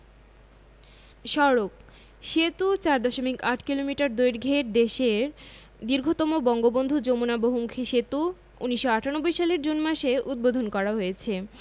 সড়কঃ সেতু ৪দশমিক ৮ কিলোমিটার দৈর্ঘ্যের দেশের দীর্ঘতম বঙ্গবন্ধু যমুনা বহুমুখী সেতু ১৯৯৮ সালের জুন মাসে উদ্বোধন করা হয়েছে